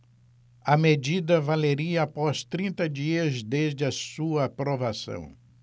a medida valeria após trinta dias desde a sua aprovação